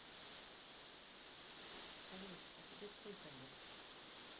салют а тебе сколько лет